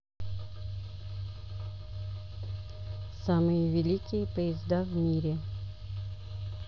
самые великие поезда в мире